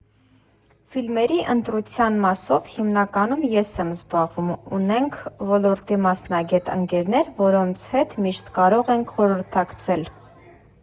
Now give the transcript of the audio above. Ֆիլմերի ընտրության մասով հիմնականում ես եմ զբաղվում, ունենք ոլորտի մասնագետ ընկերներ, որոնց հետ միշտ կարող ենք խորհրդակցել։